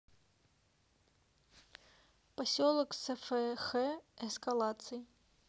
поселок свх эскалаций